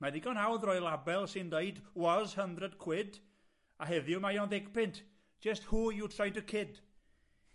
Mae'n ddigon hawdd roi label sy'n deud was hundred quid, a heddiw mae o'n ddeg punt, just who you try to kid?